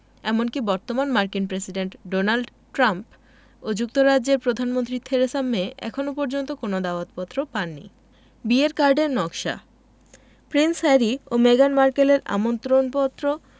এমনকি বর্তমান মার্কিন প্রেসিডেন্ট ডোনাল্ড ট্রাম্প ও যুক্তরাজ্যের প্রধানমন্ত্রী থেরেসা মে এখন পর্যন্ত কোনো দাওয়াতপত্র পাননি বিয়ের কার্ডের নকশা প্রিন্স হ্যারি ও মেগান মার্কেলের আমন্ত্রণপত্র